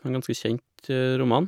En ganske kjent roman.